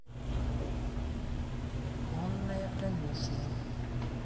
конная конюшня